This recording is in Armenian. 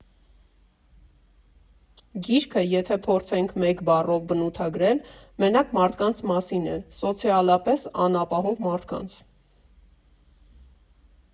Գիրքը, եթե փորձենք մեկ բառով բնութագրել, մենակ մարդկանց մասին է, սոցիալապես անապահով մարդկանց։